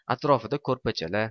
atropida ko'rpachala